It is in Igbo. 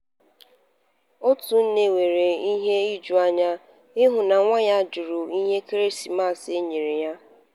Otu nne nwere ihe ijuanya ị hụ na nwa ya jụrụ onyinye ekeresimesi o nyere ya.